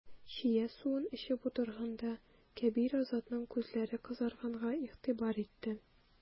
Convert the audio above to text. Чия суын эчеп утырганда, Кәбир Азатның күзләре кызарганга игътибар итте.